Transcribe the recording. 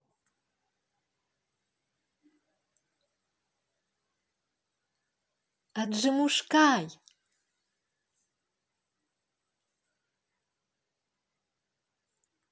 аджимушкай